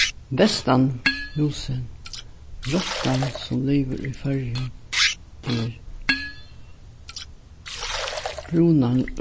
vestanmúsin rottan sum livir í føroyum er